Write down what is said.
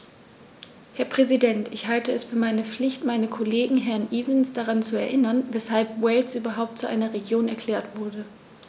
Herr Präsident, ich halte es für meine Pflicht, meinen Kollegen Herrn Evans daran zu erinnern, weshalb Wales überhaupt zu einer Region erklärt wurde.